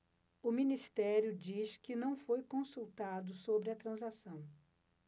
o ministério diz que não foi consultado sobre a transação